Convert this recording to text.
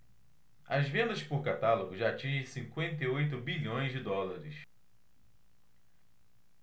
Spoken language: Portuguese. as vendas por catálogo já atingem cinquenta e oito bilhões de dólares